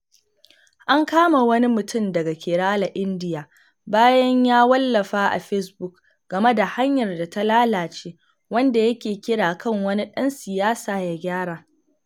An kama wani mutum daga Kerala, Indiya, bayan ya wallafa a Facebook game da hanyar da ta lalace, wanda yake kira kan wani ɗan siyasa ya gyara.